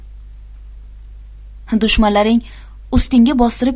dushmanlaring ustingga bostirib